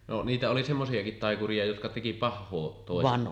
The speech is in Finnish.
no niitä oli semmoisiakin taikuria jotka teki pahaa toisille